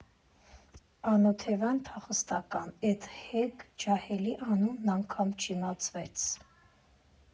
Անօթևան փախստական էդ հեգ ջահելի անունն անգամ չիմացվեց։